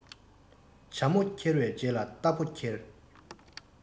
བྱ མོ ཁྱེར བའི རྗེས ལ རྟ ཕོ འཁྱེར